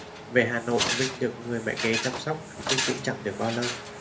về hà nội vinh được người mẹ kế chăm sóc nhưng cũng chẳng được bao lâu